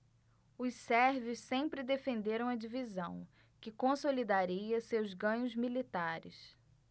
os sérvios sempre defenderam a divisão que consolidaria seus ganhos militares